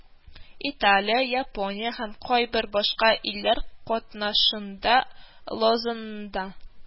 Италия, Япония һәм кайбер башка илләр катнашында Лозаннада